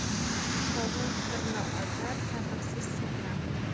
sovun kirni ochar sabrsiz sirni